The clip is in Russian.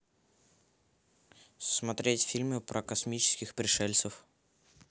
смотреть фильмы про космических пришельцев